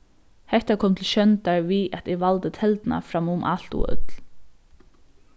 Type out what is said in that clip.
hetta kom til sjóndar við at eg valdi telduna fram um alt og øll